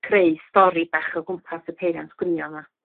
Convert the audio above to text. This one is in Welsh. creu stori bach o gwmpas y peiriant gwnïo 'ma.